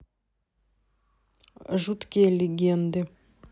жуткие легенды